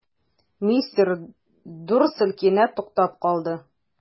Мистер Дурсль кинәт туктап калды.